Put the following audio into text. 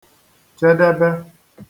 -chedebe